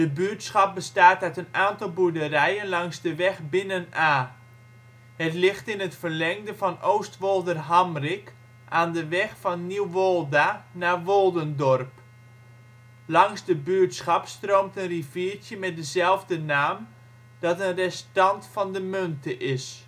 buurtschap bestaat uit een aantal boerderijen langs de weg Binnen Ae. Het ligt in het verlengde van Oostwolderhamrik aan de weg van Nieuwolda naar Woldendorp. Langs de buurtschap stroomt een riviertje met dezelfde naam dat een restant van de Munte is